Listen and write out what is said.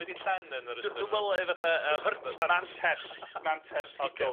Be 'di llen yn yr ystyr yma?estyniad? D- dwi me'wl yy fatha yym mantell mantell hudol. Ocê.